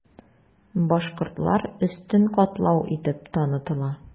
Башкортлар өстен катлау итеп танытыла.